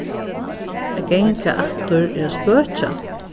at ganga aftur er at spøkja